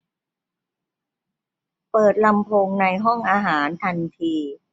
เปิดลำโพงในห้องอาหารทันที